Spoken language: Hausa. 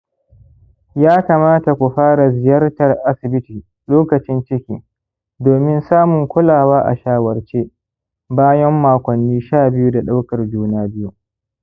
ya kamata ku fara ziyartar asibiti lokacin ciki domin samun kulawa a shawarce bayan makonni sha biyu da ɗaukar juna-biyu